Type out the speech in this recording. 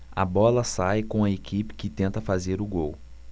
a bola sai com a equipe que tenta fazer o gol